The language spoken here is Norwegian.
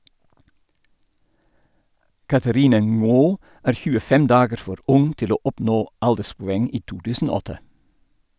Catherine Ngo er 25 dager for ung til å oppnå alderspoeng i 2008.